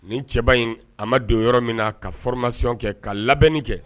Nin cɛba in a ma don yɔrɔ min na ka formation kɛ ka labɛnni kɛ